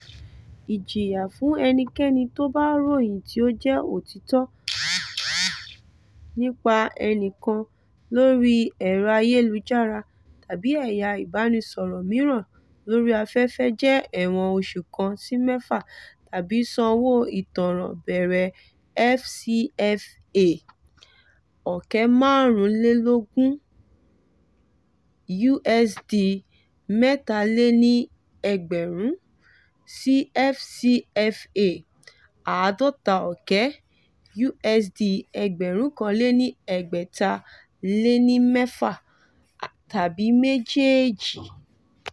Ìjìyà fún enikẹni tó bá ròyìn tí ó jẹ́ òtítọ́ nípa ẹnìkan lórí ẹ̀ro ayélujára tàbí ẹ̀yà ìbánisọ̀rọ̀ miran lórí afẹ́fẹ́ jẹ́ ẹ̀wọ̀n oṣù kan (01) sí mẹ́fà (06) tàbí san owó ìtánràn bẹ̀rẹ̀ FCFA 500,000 (USD 803) sí FCFA 1,000,000 ( USD 1,606) tàbí méjèèjì.